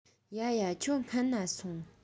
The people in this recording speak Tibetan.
ཡ ཡ ཁྱོད སྔན ན སོང